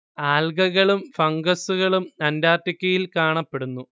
ആൽഗകളും ഫംഗസുകളും അന്റാർട്ടിക്കയിൽ കാണപ്പെടുന്നു